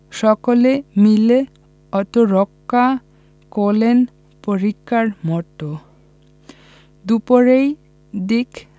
সকলে মিলে আত্মরক্ষা করলেন পরিখার মধ্যে দুপুরের দিকে